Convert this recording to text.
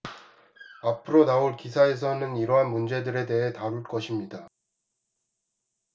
앞으로 나올 기사에서는 이러한 문제들에 대해 다룰 것입니다